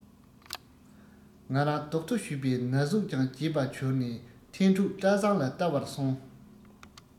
ང རང རྡོག ཐོ གཞུས པའི ན ཟུག ཀྱང བརྗེད པ གྱུར ནས ཐན ཕྲུག བཀྲ བཟང ལ བལྟ བར སོང